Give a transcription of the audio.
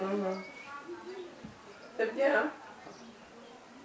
c' est bien ah